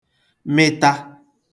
mịta